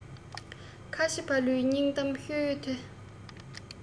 ཁ ཆེ ཕ ལུའི སྙིང གཏམ བཤད ཡོད དོ